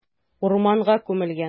Урманга күмелгән.